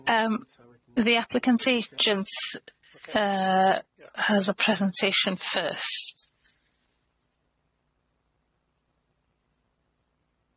Yym the applicant's agent yym has a presentation first.